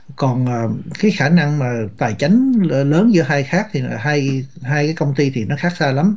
còn cái khả năng mà tài chánh lớn giữa hai khác hai hai cái công ty thì nó khác xa lắm